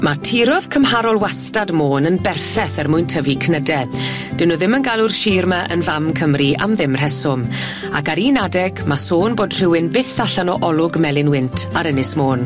Ma' tirodd cymharol wastad Môn yn berffeth er mwyn tyfu cnyde, 'dyn nhw ddim yn galw'r Sir yma yn fam Cymru am ddim rheswm, ac ar un adeg ma' sôn bod rhywun byth allan o olwg melyn wynt ar Ynys Môn.